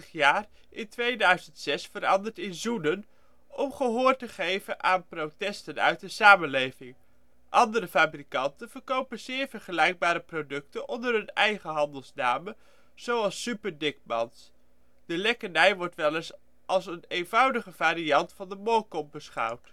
in 2006 veranderd in Zoenen om gehoor te geven aan protesten uit de samenleving. Andere fabrikanten verkopen zeer vergelijkbare producten onder hun eigen handelsnamen zoals Super Dickmann 's. De lekkernij wordt wel eens als een eenvoudige variant van de moorkop beschouwd